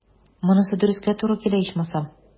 Монысы дөрескә туры килә, ичмасам.